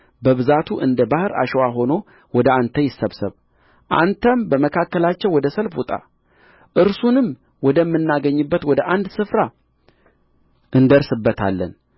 በብዛቱ እንደ ባሕር አሸዋ ሆኖ ወደ አንተ ይሰብሰብ አንተም በመካከላቸው ወደ ሰልፍ ውጣ እርሱንም ወደምናገኝበት ወደ አንድ ስፍራ እንደርስበታለን